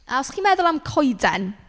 A os chi'n meddwl am coeden.